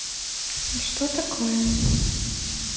а что такое